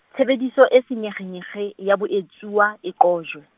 tshebediso e senyekgenyekge, ya boetsuwa e qojwe.